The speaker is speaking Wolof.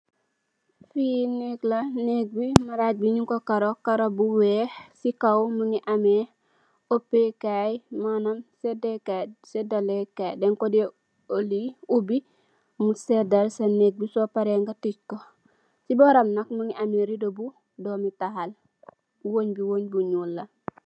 Fii neeg la, neeg bi, maraaj bi, ñung ko karo, si kow, mu ngi am upee kaay,...ay manaam, séddal lee kaay, dañ ko dey ubbi, mu seedal sa,..nga tëcc ko, si bóoram nak, mu ngi am riddo bu am doomi taal, wéng bi wéng bu ñuul la.